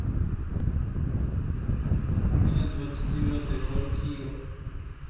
у меня двадцать девятая квартира